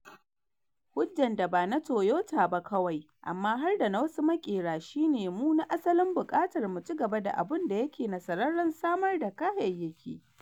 “Hujjan da ba na Toyota ba kawai amma har da na wasu makera shi ne mu na asalin bukatar mu ci gaba da abun da yake nasarraren samar da kayaki.”